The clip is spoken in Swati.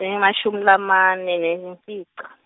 lengemashumi lamane nemfica.